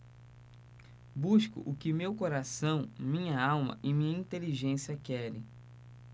busco o que meu coração minha alma e minha inteligência querem